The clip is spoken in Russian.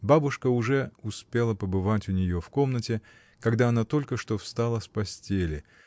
Бабушка уже успела побывать у нее в комнате, когда она только что встала с постели.